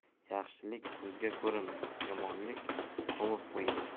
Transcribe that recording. yaxshilik ko'zga ko'rinmas yomonlik ko'mib qo'yilmas